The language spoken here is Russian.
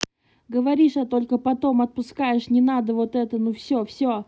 говоришь а только потом отпускаешь не надо вот это ну все все